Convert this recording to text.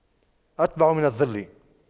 أتبع من الظل